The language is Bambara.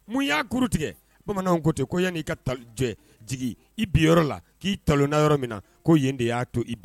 Y'a kuru tigɛ bamananw kotɛ ko yan ka jigi i bi la k'i talonna yɔrɔ min ko yen de y'a to